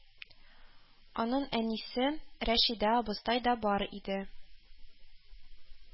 Аның әнисе Рәшидә абыстай да бар иде